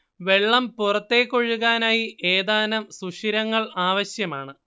വെള്ളം പുറത്തേക്ക് ഒഴുകാനായി ഏതാനും സുഷിരങ്ങൾ ആവശ്യമാണ്